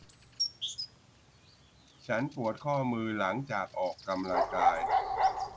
ฉันปวดข้อมือหนังจากออกกำลังกาย